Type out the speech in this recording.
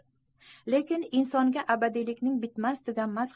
lekin insonga abadiylikning bitmas tuganmas